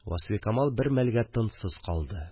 Васфикамал бер мәлгә тынсыз калды